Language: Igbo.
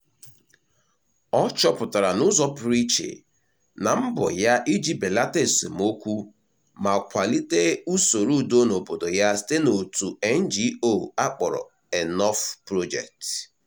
Ọ chọpụtara n'ụzọ pụrụ iche na mbọ ya iji belata esemokwu ma kwalite usoro udo n'obodo ya site n'òtù NGO a kpọrọ Enough Project.